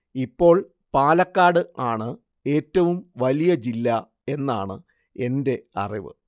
ഇപ്പോൾ പാലക്കാട് ആണ് ഏറ്റവും വലിയ ജില്ല എന്നാണ് എന്റെ അറിവ്